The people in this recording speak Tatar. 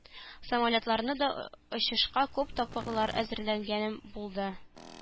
Самолетларны да очышка күп тапкырлар әзерләнгәнем булды